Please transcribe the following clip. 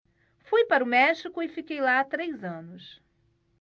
fui para o méxico e fiquei lá três anos